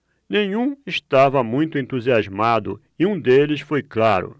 nenhum estava muito entusiasmado e um deles foi claro